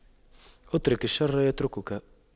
اترك الشر يتركك